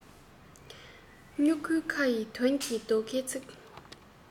སྨྱུ གུའི ཁ ཡི དོན གྱི རྡོ ཁའི ཚིག